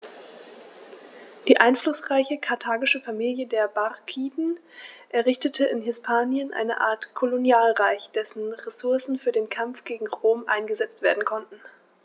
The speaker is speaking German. Die einflussreiche karthagische Familie der Barkiden errichtete in Hispanien eine Art Kolonialreich, dessen Ressourcen für den Kampf gegen Rom eingesetzt werden konnten.